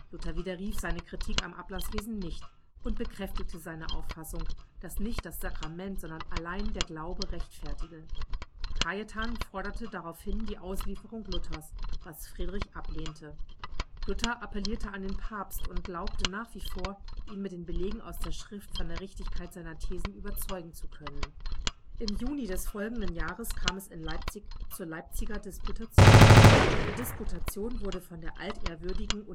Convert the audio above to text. Luther widerrief seine Kritik am Ablasswesen nicht und bekräftigte seine Auffassung, dass nicht das Sakrament, sondern allein der Glaube rechtfertige. Cajetan forderte daraufhin die Auslieferung Luthers, was Friedrich ablehnte. Luther appellierte an den Papst und glaubte nach wie vor, ihn mit den Belegen aus der Schrift von der Richtigkeit seiner Thesen überzeugen zu können. Im Juni des folgenden Jahres kam es in Leipzig zur Leipziger Disputation. Die Disputation wurde von der altehrwürdigen